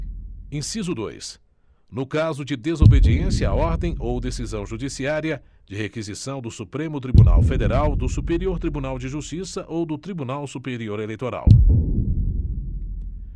inciso dois no caso de desobediência a ordem ou decisão judiciária de requisição do supremo tribunal federal do superior tribunal de justiça ou do tribunal superior eleitoral